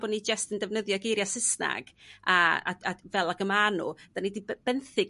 bo' ni jyst yn defnyddio geiria' Saesnag a fel ag y ma' n'w 'da ni 'di benthyg